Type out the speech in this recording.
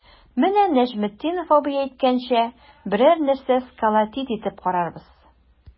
Менә Нәҗметдинов абый әйткәнчә, берәр нәрсә сколотить итеп карарбыз.